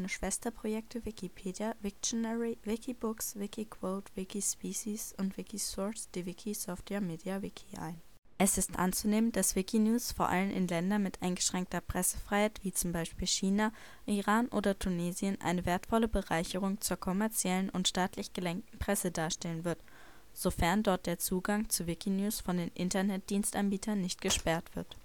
Schwesterprojekte Wikipedia, Wiktionary, Wikibooks, Wikiquote, Wikispecies und Wikisource die Wiki-Software MediaWiki ein. Mit diesem Projekt möchten die Teilnehmer die Idee des Bürgerjournalisten verbreiten. Damit ist gemeint, dass jeder einen nützlichen Beitrag dazu leisten kann, den Überblick darüber zu bekommen, was in der Welt um uns herum geschieht. Es ist anzunehmen, dass Wikinews vor allem in Ländern mit eingeschränkter Pressefreiheit wie zum Beispiel China, Iran oder Tunesien eine wertvolle Bereicherung zur kommerziellen und staatlich gelenkten Presse darstellen wird, sofern dort der Zugang zu Wikinews von den Internetdienstanbietern nicht gesperrt wird